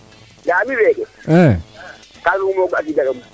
ga'a mi feeke kam romo gu